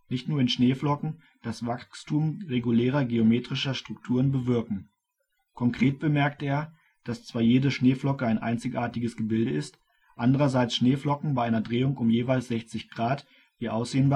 nicht nur in Schneeflocken - das Wachstum regulärer geometrischer Strukturen bewirken. Konkret bemerkte er, dass zwar jede Schneeflocke ein einzigartiges Gebilde ist, andererseits Schneeflocken bei einer Drehung um jeweils 60 Grad ihr Aussehen